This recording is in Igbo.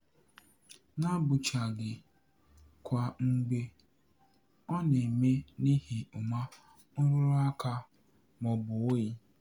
N'abụchaghị kwa mgbe, ọ na-eme n'ihi ụma nrụrụaka maọbụ ohi.